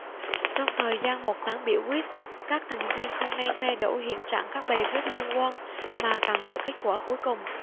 trong thời gian một tháng biểu quyết các thành viên không nên thay đổi hiện trạng các bài viết liên quan mà cần đợi kết quả cuối cùng